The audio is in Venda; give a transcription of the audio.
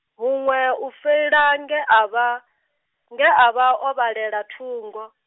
huṅwe u feila nge a vha , nge a vha o vhalela thungo.